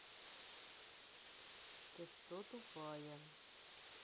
ты что тупая